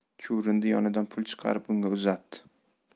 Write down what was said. chuvrindi yonidan pul chiqarib unga uzatdi